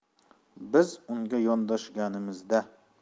biz unga yondashganimizda